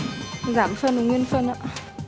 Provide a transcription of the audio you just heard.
giảm phân và nguyên phân ạ